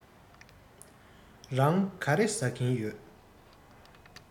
རང ག རེ ཟ གིན ཡོད